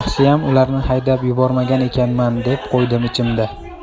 yaxshiyam ularni haydab yubormagan ekanman deb qo'ydim ichimda